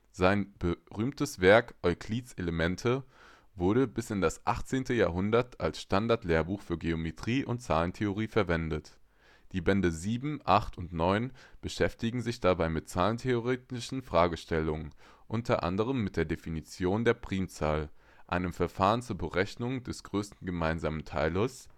Sein berühmtestes Werk, Euklids Elemente, wurde bis in das achtzehnte Jahrhundert als Standardlehrbuch für Geometrie und Zahlentheorie verwendet. Die Bände 7, 8 und 9 beschäftigen sich dabei mit zahlentheoretischen Fragestellungen, unter anderem mit der Definition der Primzahl, einem Verfahren zur Berechnung des größten gemeinsamen Teilers